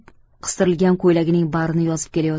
qistirilgan ko'ylagining barini yozib kelayotgan